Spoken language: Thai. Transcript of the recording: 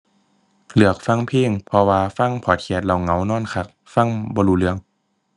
เลือกฟังเพลง เพราะว่าฟังพอดแคสต์แล้วเหงานอนคัก ฟังบ่รู้เรื่อง